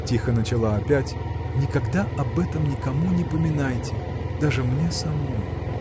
— тихо начала опять, — никогда об этом никому не поминайте, даже мне самой!